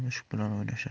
mushuk bilan o'ynashar